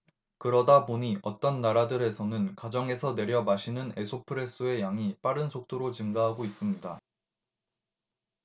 그러다 보니 어떤 나라들에서는 가정에서 내려 마시는 에스프레소의 양이 빠른 속도로 증가하고 있습니다